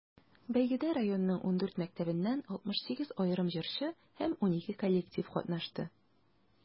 Бәйгедә районның 14 мәктәбеннән 68 аерым җырчы һәм 12 коллектив катнашты.